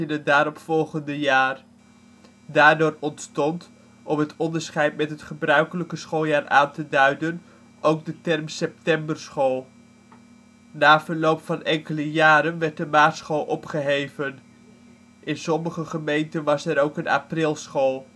het daaropvolgende jaar. Daardoor ontstond, om het onderscheid met het gebruikelijke schooljaar aan te duiden, ook de term septemberschool. Na verloop van enkele jaren werd de maartschool opgeheven. In sommige gemeenten was er ook een aprilschool